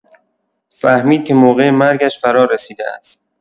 فهمید که موقع مرگش فرارسیده است.